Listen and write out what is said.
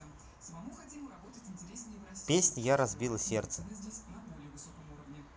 песня я разбила сердце